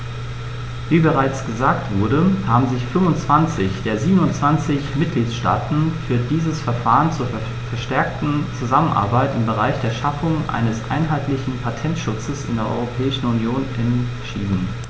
Wie bereits gesagt wurde, haben sich 25 der 27 Mitgliedstaaten für dieses Verfahren zur verstärkten Zusammenarbeit im Bereich der Schaffung eines einheitlichen Patentschutzes in der Europäischen Union entschieden.